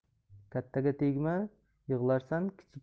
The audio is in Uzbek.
kattaga tegma yig'larsan